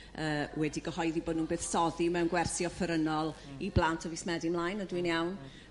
yrr wedi gyhoeddi bo' nhw'n buddsoddi mewn gwersi offerynnol i blant o fis Medi mlaen ydw i'n iawn?